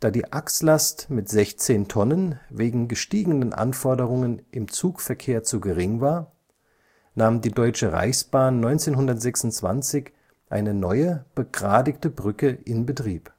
die Achslast mit 16 Tonnen wegen gestiegenen Anforderungen im Zugverkehr zu gering war, nahm die Deutsche Reichsbahn 1926 eine neue begradigten Brücke in Betrieb